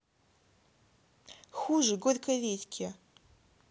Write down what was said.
хуже горькой редьки